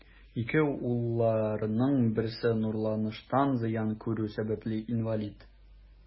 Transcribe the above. Ике улларының берсе нурланыштан зыян күрү сәбәпле, инвалид.